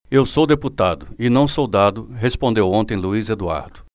eu sou deputado e não soldado respondeu ontem luís eduardo